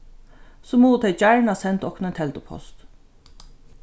so mugu tey gjarna senda okkum ein teldupost